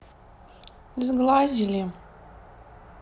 сглазили